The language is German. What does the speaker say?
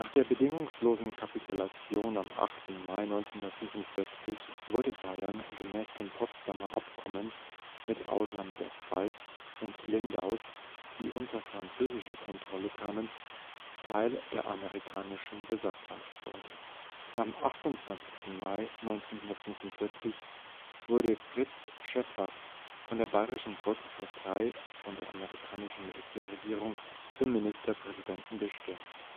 der bedingungslosen Kapitulation am 8. Mai 1945 wurde Bayern gemäß dem Potsdamer Abkommen mit Ausnahme der Pfalz und Lindaus, die unter französische Kontrolle kamen, Teil der amerikanischen Besatzungszone. Am 28. Mai 1945 wurde Fritz Schäffer von der Bayerischen Volkspartei von der amerikanischen Militärregierung zum Ministerpräsidenten bestimmt